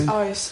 ...Oes.